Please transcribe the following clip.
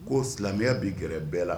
Ko silamɛya bɛ gɛrɛ bɛɛ la